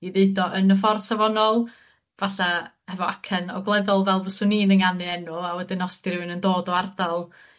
i ddeud o yn y ffordd safonol falle hefo acen ogleddol fel fyswn i'n ynganu enw, a wedyn os 'di rhywun yn dod o ardal